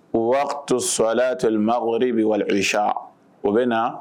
U waato su temaɔri bɛc o bɛ na